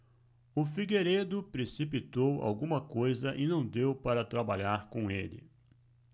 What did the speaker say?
o figueiredo precipitou alguma coisa e não deu para trabalhar com ele